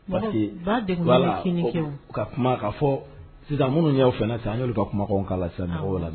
Parce que ba dgunen de bɛ kini kɛ, walima u ka kuma ka fɔ, sisan minnu y'aw fana sisan an k'olu ka kumakan'w mɔgɔw b'o lamɛn